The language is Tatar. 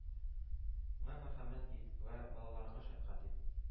Ңә мәрхәмәт ит; вә балаларыңа шәфкать ит»,